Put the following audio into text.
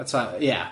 a ta- ie.